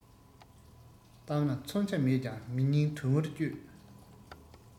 གཏམ ལ ཚོན ཆ མེད ཀྱང མི སྙིང དུམ བུར གཅོད